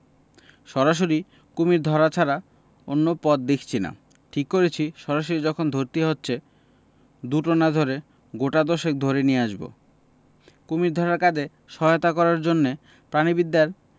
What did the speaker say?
সরাসরি কুমীর ধরা ছাড়া অন্য পথ দেখছি না ঠিক করেছি সরাসরি যখন ধরতেই হচ্ছে দুটা না ধরে গোটা দশেক ধরে নিয়ে আসব কুশীর ধরার কাজে সহায়তা করার জন্যে প্রাণীবিদ্যায়